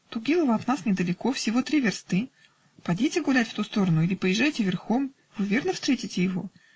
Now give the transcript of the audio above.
Тугилово от нас недалеко, всего три версты: подите гулять в ту сторону или поезжайте верхом вы, верно, встретите его.